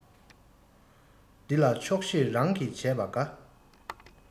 འདི ལ ཆོག ཤེས རང གིས བྱས པ དགའ